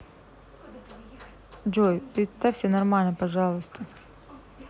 джой представься нормально пожалуйста